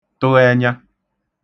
tə̣ enya